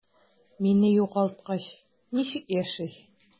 Мине югалткач, ничек яши?